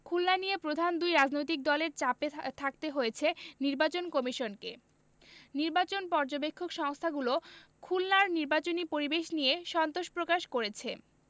খুলনা নিয়ে প্রধান দুই রাজনৈতিক দলের চাপে থাকতে হয়েছে নির্বাচন কমিশনকে নির্বাচন পর্যবেক্ষক সংস্থাগুলো খুলনার নির্বাচনী পরিবেশ নিয়ে সন্তোষ প্রকাশ করেছে